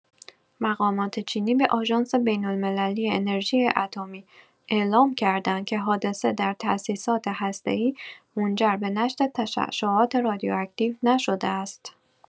مقامات چینی به آژانس بین‌المللی انرژی اتمی اعلام کردند که حادثه در تاسیسات هسته‌ای منجر به نشت تشعشعات رادیواکتیو نشده است.